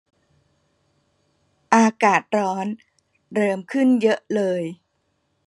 อากาศร้อนเริมขึ้นเยอะเลย